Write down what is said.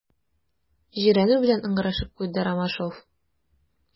Җирәнү белән ыңгырашып куйды Ромашов.